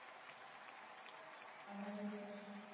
она ревет